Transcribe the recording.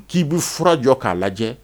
K'i bɛ fura jɔ k'a lajɛ